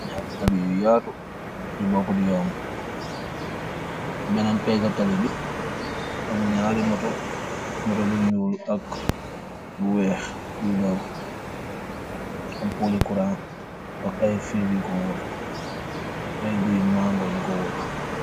Njaari tahli yu yaatu, yu bokut yon benen pehgah tali bi am njarr motor, motor bu njull ak bu wekh yui daw, am pohli kurang ak aiiy fill yukor wohrre, ak aiiy guiiyi mango yukor wohrre.